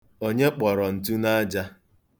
Onye kpọrọ ntu n'aja?